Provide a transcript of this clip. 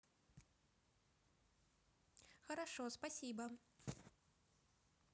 хорошо спасибо